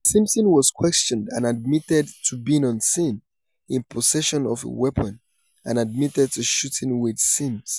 Simpson was questioned and admitted to being on scene, in possession of a weapon, and admitted to shooting Wayde Sims.